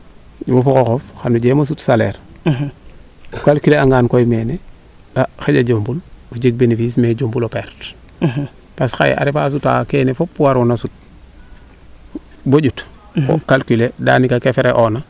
wo fo xoxof xana jeemo sut salaire o calculer a ngaan koy neene a xaƴa jombil o jeg benefice mais jombula perdre parce a refa sutaa keene fop waroona sutt bo njut bo o calculer daanaka kee frais oona